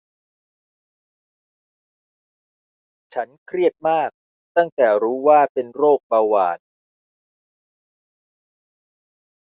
ฉันเครียดมากตั้งแต่รู้ว่าเป็นโรคเบาหวาน